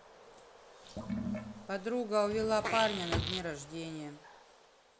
подруга увела парня на дне рождения